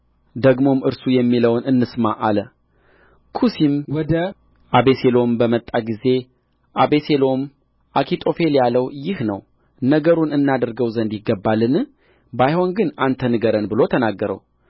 ደግሞም እርሱ የሚለውን እንስማ አለ ኩሱም ወደ አቤሴሎም በመጣ ጊዜ አቤሴሎም አኪጦፌል ያለው ይህ ነው ነገሩን እናደርገው ዘንድ ይገባልን ባይሆን ግን አንተ ንገረን ብሎ ተናገረው